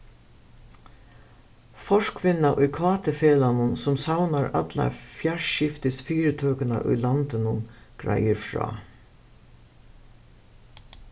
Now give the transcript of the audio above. forkvinna í kt-felagnum sum savnar allar fjarskiftisfyritøkurnar í landinum greiðir frá